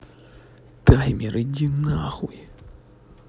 таймер иди нахуй